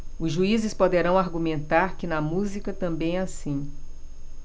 os juízes poderão argumentar que na música também é assim